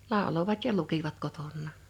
lauloivat ja lukivat kotonaan